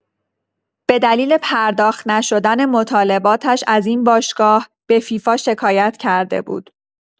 به دلیل پرداخت نشدن مطالباتش از این باشگاه به فیفا شکایت کرده بود.